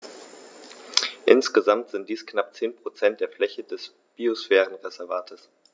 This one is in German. Insgesamt sind dies knapp 10 % der Fläche des Biosphärenreservates.